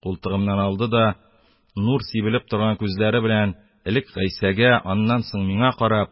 Култыгымнан алды да, нур сибелеп торган күзләре белән элек Гыйсага, аннан соң миңа карап